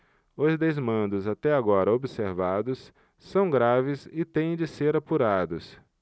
os desmandos até agora observados são graves e têm de ser apurados